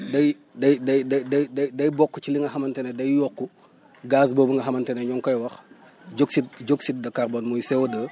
day day day day day day bokk ci li nga xamante ne day yokk gaz boobu nga xamante ne ñu ngi koy wax dioxyde dioxyde de carbone muy CO2